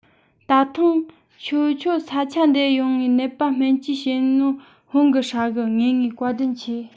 ད ཐེངས ཁྱེད ཆོ ས ཆ འདི ཡོང ངས ནད པ སྨན བཅོས ཡས ནོ ཧོན གི ཧྲ གི ངེས ངེས བཀའ དྲིན ཆེ གི